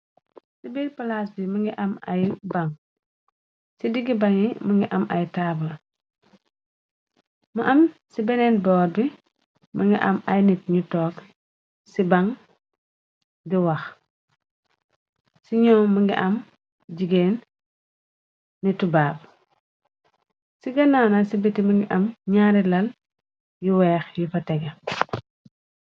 Ci bir palaas bi mu ngi am ay bang ci diggi banyi më ngi am ay taabal ma am ci beneen boor bi më ngi am ay nit ñu toog ci baŋ di wax ci ñoo më nga am jigéen nitu baab ci gënaw na ci biti më ngi am ñaari lal yu weex yu fa tege.